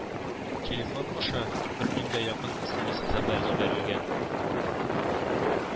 Телефон аша бер меңгә якын эСэМэС хәбәр җибәрелгән